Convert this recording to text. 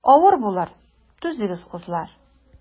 Авыр булыр, түзегез, кызлар.